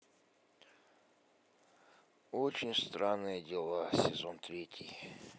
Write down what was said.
очень странные дела сезон третий